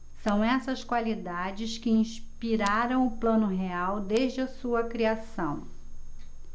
são essas qualidades que inspiraram o plano real desde a sua criação